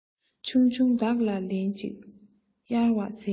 ཆུང ཆུང བདག ལ ལེན ཅིག གཡར བར འཚལ